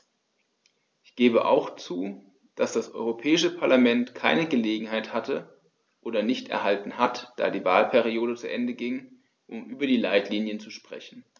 Ich gebe auch zu, dass das Europäische Parlament keine Gelegenheit hatte - oder nicht erhalten hat, da die Wahlperiode zu Ende ging -, um über die Leitlinien zu sprechen.